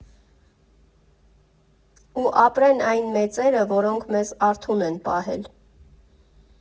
Ու ապրեն այն մեծերը, որոնք մեզ արթուն են պահել։